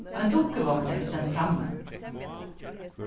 ein dukkuvognur stendur frammi